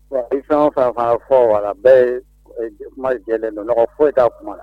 I fɛn fɛn fɔ wala bɛɛ ye kuma jɛ don foyi' kuma